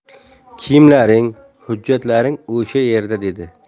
kiyimlaring hujjatlaring o'sha yerda dedi